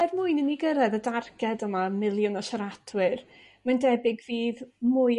er mwyn i ni gyrraedd y darged yma miliwn o siaradwyr mae'n debyg fydd mwy